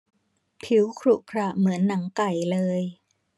ผิวขรุขระเหมือนหนังไก่เลย